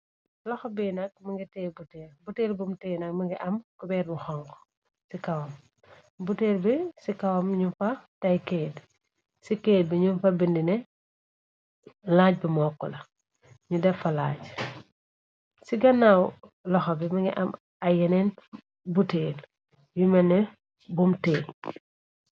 Loxo bnabuteel bum tey nak mingi am kubeer bu xong ci kawam buteer bi ci kawam ñu fa tey kéet ci keet bi ñu fa bindne laaj bi mokku la ñu defa laaj ci ganaaw loxo bi mingi am ay yeneen buteel yu menne bum tee.